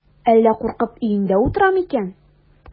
Әллә куркып өендә утырамы икән?